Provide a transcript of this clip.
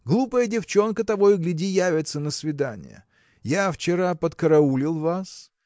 глупая девчонка, того и гляди, явится на свидание. Я вчера подкараулил вас.